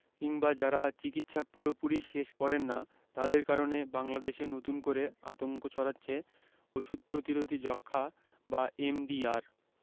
কিংবা যারা চিকিৎসা পুরোপুরি শেষ করেন না তাদের কারণে বাংলাদেশে নতুন করে আতঙ্ক ছড়াচ্ছে ওষুধ প্রতিরোধী যক্ষ্মা বা এমডিআর